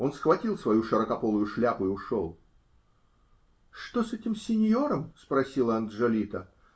Он схватил свою широкополую шляпу и ушел. -- Что с этим синьором? -- спросила Анджолита.